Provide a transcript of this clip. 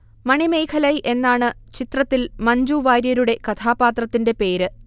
മണിമേഖലൈ എന്നാണ് ചിത്രത്തിൽ മ്ഞജുവാര്യരുടെ കഥാപാത്രത്തിന്റെ പേര്